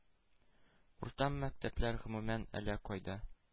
Урта мәктәпләр, гомумән, әллә кайда.